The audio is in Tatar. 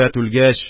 Шәт үлгәч